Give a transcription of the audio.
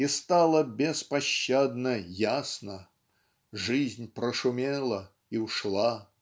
И стало беспощадно ясно: Жизнь прошумела и ушла.